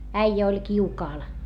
äijä oli kiukaalla